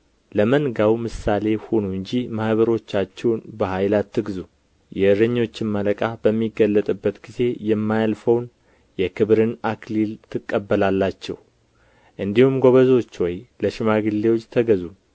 ለመንጋው ምሳሌ ሁኑ እንጂ ማኅበሮቻችሁን በኃይል አትግዙ የእረኞችም አለቃ በሚገለጥበት ጊዜ የማያልፈውን የክብርን አክሊል ትቀበላላችሁ እንዲሁም ጐበዞች ሆይ ለሽማግሌዎች ተገዙ